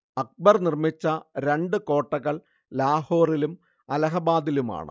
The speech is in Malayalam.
അക്ബർ നിർമിച്ച രണ്ടു കോട്ടകൾ ലാഹോറിലും അലഹബാദിലുമാണ്